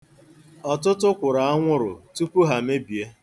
Ọtụtụ kwụrụ anwụrụ tupu ha mebie.